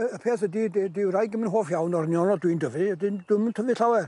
Yy y peth ydi dy- dy wraig ddim yn hoff iawn o'r nionod dwi'n dyfu, 'dyn dwi'm yn tyfu llawer.